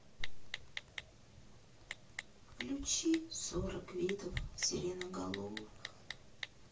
включи сорок видов сиреноголовых